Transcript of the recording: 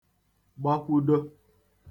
gbakwụdo